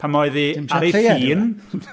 Pan oedd hi ar ei thîn...